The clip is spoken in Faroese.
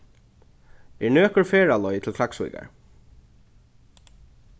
er nøkur ferðaleið til klaksvíkar